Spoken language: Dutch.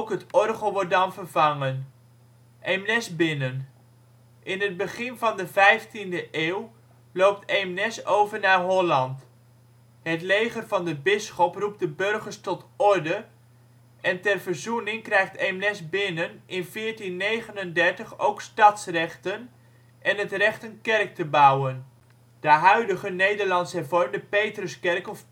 het orgel wordt dan vervangen. Eemnes-Binnen: In het begin van de 15de eeuw loopt Eemnes over naar Holland. Het leger van de bisschop roept de burgers tot orde en ter verzoening krijgt Eemnes-Binnen in 1439 ook stadsrechten en het recht een kerk te bouwen, de huidige NH Petruskerk of